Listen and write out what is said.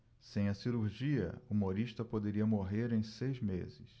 sem a cirurgia humorista poderia morrer em seis meses